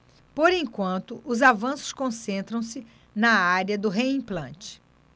por enquanto os avanços concentram-se na área do reimplante